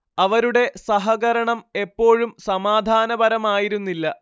അവരുടെ സഹകരണം എപ്പോഴും സമാധാനപരമായിരുന്നില്ല